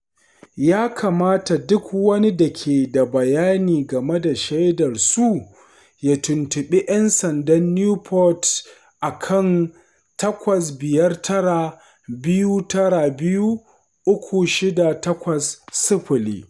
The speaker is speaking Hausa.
Ya kamata duk wani da ke da bayani game da shaidarsu ya tuntuɓi ‘yan sandan Newport a kan 859-292-3680.